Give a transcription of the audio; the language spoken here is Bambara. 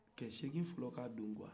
cɛ seegin fɔlɔ ka don